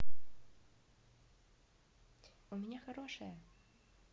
у меня хорошая